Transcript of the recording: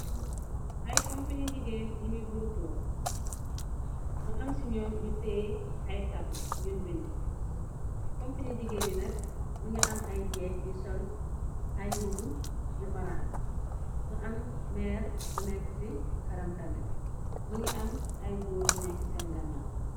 Ay kompañi jigéen ñu ngi gurupeo mu am ci ñoom ñu teeyi ay tab la yun binde kompani jigéeni nekk më ngi am ay jeeg yi sol ay mbubu ñu orange mu am meer bu nekk ci karam tame më ngi am ay góor yu nekk seen gannaw.